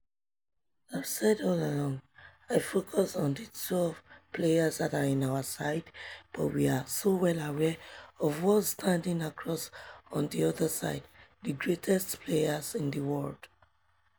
I've said all along, I focus on the 12 players that are in our side, but we are so well aware of what's standing across on the other side - the greatest players in the world."